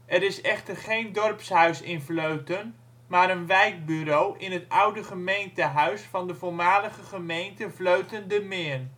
Er is echter geen dorpshuis in Vleuten, maar een wijkbureau in het oude gemeentehuis van de voormalige gemeente Vleuten-De Meern